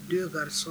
Don ye garisɔn